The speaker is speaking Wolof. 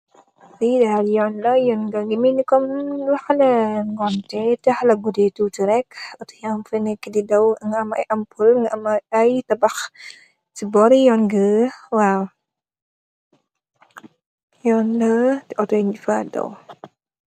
Fii daal yoon la, yoon gaa ngi melni lu xala ngoon, ta xala guddu tuuti rek. Otto yaañg fee daw, nga am ay ampul, nga ay tabax si boori yoon nga, waaw. Yoon la, të otto yi ñung fa daw.